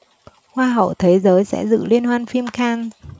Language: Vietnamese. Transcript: hoa hậu thế giới sẽ dự liên hoan phim cannes